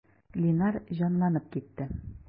Линар җанланып китте.